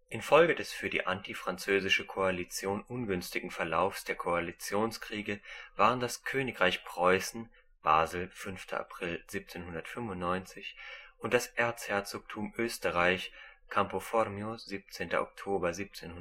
Infolge des für die antifranzösische Koalition ungünstigen Verlaufs der Koalitionskriege waren das Königreich Preußen (Basel – 5. April 1795) und das Erzherzogtum Österreich (Campo Formio – 17. Oktober 1797